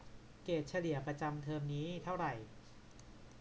เกรดเฉลี่ยประจำเทอมนี้เท่าไหร่